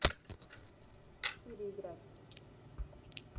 переиграть